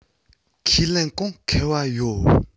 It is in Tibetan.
ཁས ལེན གོང ཁེ བ ཡོད